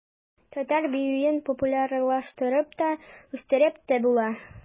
Татар биюен популярлаштырып та, үстереп тә була.